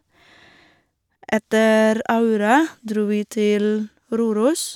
Etter Aure dro vi til Røros.